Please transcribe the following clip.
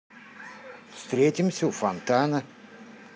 встретимся у фонтана